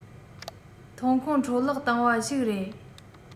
ཐོན ཁུངས འཕྲོ བརླག བཏང བ ཞིག རེད